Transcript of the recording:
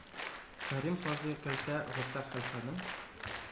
Кәрим казый, Кәлтә Гата хәлфәнең